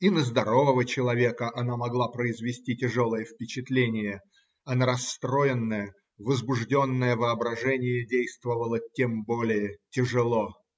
И на здорового человека она могла произвести тяжелое впечатление, а на расстроенное, возбужденное воображение действовала тем более тяжело.